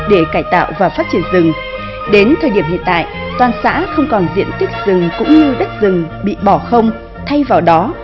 để cải tạo và phát triển rừng đến thời điểm hiện tại toàn xã không còn diện tích rừng cũng như đất rừng bị bỏ không thay vào đó